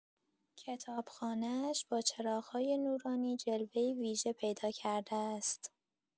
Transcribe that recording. کتاب‌خانه‌اش با چراغ‌های نورانی جلوه‌ای ویژه پیدا کرده است.